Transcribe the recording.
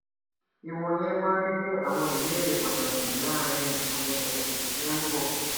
Ìwọ̀nyẹn máa jẹ́ àwọn ìbéèrè pàtàkì láàárín àwọn oṣù tí ó ń bọ̀.